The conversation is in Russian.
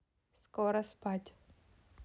скоро спать